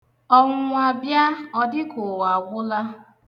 Ọnwụnwa bịa ọ dịka ụwa agwụla.